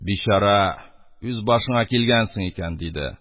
— бичара, үз башыңа килгәнсең икән, — диде